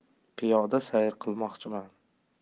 piyoda sayr qilmoqchiman